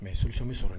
Mais solution bɛ sɔrɔ n